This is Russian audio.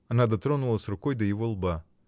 Она дотронулась рукой до его лба.